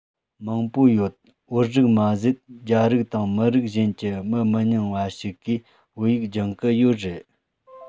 མང པོ ཡོད བོད རིགས མ ཟད རྒྱ རིགས དང མི རིགས གཞན གྱི མི མི ཉུང བ ཞིག གིས བོད ཡིག སྦྱོང གི ཡོད རེད